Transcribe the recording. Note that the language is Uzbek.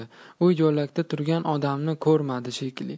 u yo'lakda turgan odamni ko'rmadi shekilli